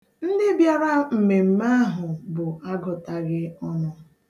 Ndị mmadụ bịara mmemme ahụ bụ agụtaghị ọnụ.